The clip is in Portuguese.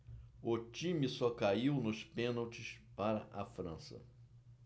o time só caiu nos pênaltis para a frança